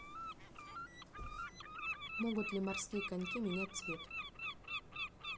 могут ли морские коньки менять цвет